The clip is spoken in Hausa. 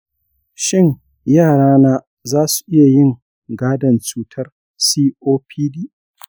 shin yarana zasu iya yin gadon cutar copd?